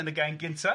yn y gainc gynta.